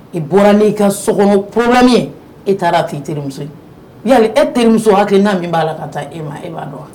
I bɔra n' ka sokɔnɔ plami ye e taara fɔ i terimuso ye ya e terimuso hakili n'a min b'a la ka taa e ma e b'a dɔn wa